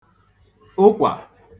ụkwà